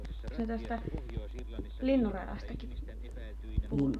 eikös ne tuosta linnunradastakin puhunut